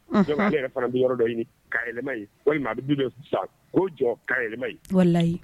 Yɛrɛ fana bɛ yɔrɔ dɔ ɲini ka yɛlɛma walima a bɛ bi sisan ko jɔ'a yɛlɛmayi